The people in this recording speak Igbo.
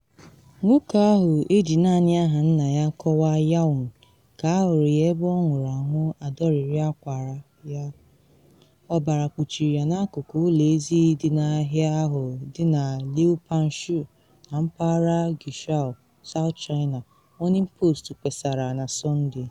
Nwoke ahụ, eji naanị aha nna ya kọwaa “Yaun,” ka ahụrụ ya ebe ọ nwụrụ anwụ, adọrịrị akwara ya, ọbara kpuchiri ya n’akụkụ ụlọ ezi dị n’ahịa ahụ dị na Liupanshui na mpaghara Guizhou, South China Morning Post kpesara na Sọnde.